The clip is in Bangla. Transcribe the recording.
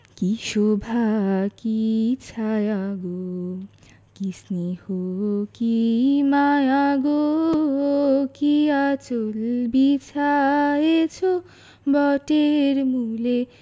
কী শোভা কী ছায়া গো কী স্নেহ কী মায়া গো কী আঁচল বিছায়েছ বটের মূলে